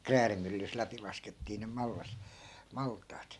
kräädimyllystä läpi laskettiin ne mallas maltaat